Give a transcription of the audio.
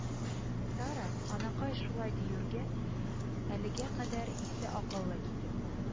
Сара анакай шулай диюгә, әлегә кадәр исе-акылы китеп,